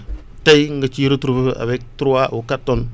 tey nga ciy retrouver wu avec trois ou quatre tonnes